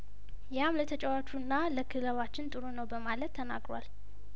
ያም ለተጫዋቹና ለክለባችን ጥሩ ነው በማለት ተናግሯል